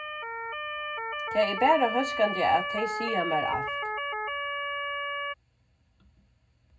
tað er bara hóskandi at tey siga mær alt